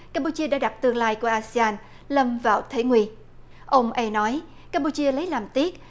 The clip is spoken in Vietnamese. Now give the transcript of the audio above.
cam pu chia đã đặt tương lai của a si an lâm vào thế nguy ông ây nói cam pu chia lấy làm tiếc